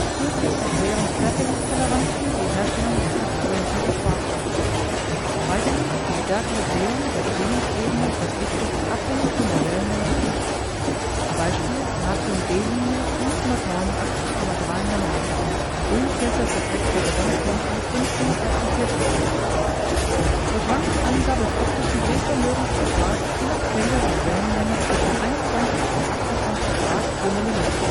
Zusätzlich erschweren Fertigungstoleranzen die Herstellung exakt orientierter Quarzschnitte. Weiterhin ist die Stärke der Drehung der Schwingungsebene des Lichtes abhängig von der Wellenlänge des Lichtes (Beispiel: Natrium-D-Linie: 589,3 nm, Grünfilter für Quecksilberdampflampen: 546 nm). So schwankt die Angabe des optischen Drehvermögens bei Quarz je nach Quelle und Wellenlänge zwischen 21 und 28°/mm